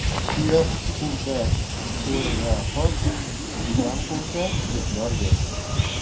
tuya quvsa o'rga qoch ilon quvsa shudgorga